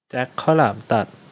แจ็คข้าวหลามตัด